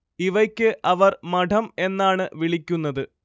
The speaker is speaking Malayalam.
ഇവയ്ക്ക് അവർ മഠം എന്നാണ് വിളിക്കുന്നത്